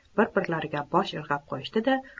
bir birlariga bosh irg'ab qo'yishdi da